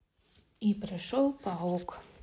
и пришел паук